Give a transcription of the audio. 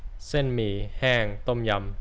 เส้นหมี่แห้งต้มยำ